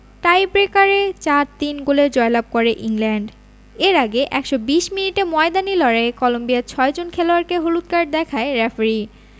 টাইট্রেকারে ৪ ৩ গোলে জয়লাভ করে ইংল্যান্ড এর আগে ১২০ মিনিটের ময়দানি লড়াইয়ে কলম্বিয়ার ছয়জন খেলোয়াড়কে হলুদ কার্ড দেখায় রেফারি